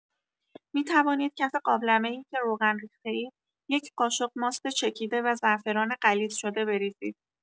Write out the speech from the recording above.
می‌توانید کف قابلمه‌ای که روغن ریخته‌اید، یک قاشق ماست چکیده و زعفران غلیظ شده بریزید.